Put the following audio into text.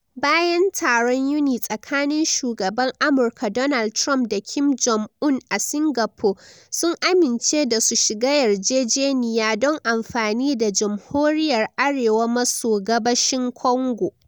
Bayan taron Yuni tsakanin shugaban Amurka Donald Trump da Kim Jong-un a Singapore, sun amince da su shiga yarjejeniya don amfani da Jamhuriyyar Arewa maso gabashin Congo.